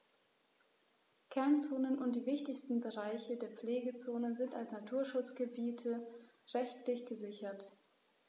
Kernzonen und die wichtigsten Bereiche der Pflegezone sind als Naturschutzgebiete rechtlich gesichert.